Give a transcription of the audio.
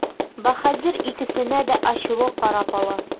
Баһадир икесенә дә ачулы карап ала.